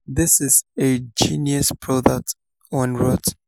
This is a genius product," one wrote.